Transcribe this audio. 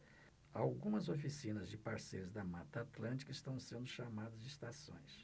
algumas oficinas de parceiros da mata atlântica estão sendo chamadas de estações